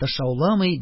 Тышауламый